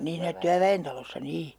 niin siinä työväentalossa niin